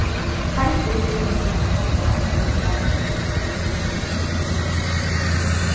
heidi gremur seg at kalla ongantíð um nakað